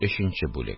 Өченче бүлек